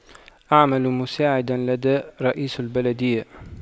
أعمل مساعدا لدى رئيس البلدية